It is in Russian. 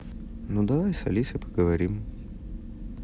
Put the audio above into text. ну давай с алисой поговорим